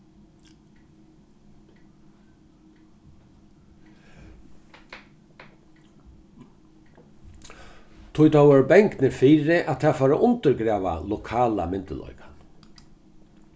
tí teir vóru bangnir fyri at tað fór at undirgrava lokala myndugleikan